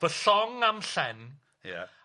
Fy llong am llen ia